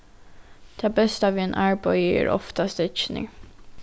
tað besta við einum arbeiði er ofta steðgirnir